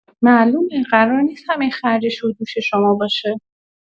معلومه، قرار نیست همه خرجش روی دوش شما باشه.